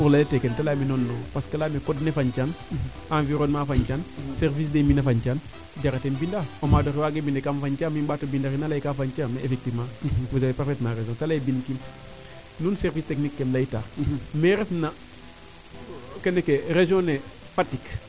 pour leyate kene te leyaame non non parce que leyaame code ne fañtaan environnement fañ taan service des mine a fanie taan jarate im mbindaa o maadoxe waage mbinde kam fañta im mbaato mbida xina xin leyee kaa fañ taam effectivement vous avez parfetement raison te leye bin kiim nuun service technique ke im leytaa mee refna kene ke region ne Fatick